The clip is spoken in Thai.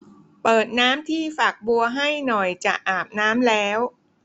เปิดน้ำที่ฝักบัวให้หน่อยจะอาบน้ำแล้ว